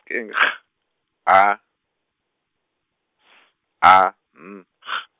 keng G, A S A N G.